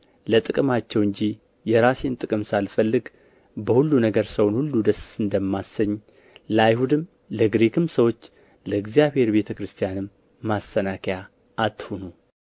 ለጥቅማቸው እንጂ የራሴን ጥቅም ሳልፈልግ በሁሉ ነገር ሰውን ሁሉ ደስ እንደማሰኝ ለአይሁድም ለግሪክም ሰዎች ለእግዚአብሔር ቤተ ክርስቲያንም ማሰናከያ አትሁኑ